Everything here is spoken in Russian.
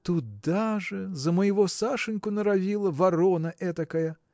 – Туда же, за моего Сашеньку норовила, ворона этакая!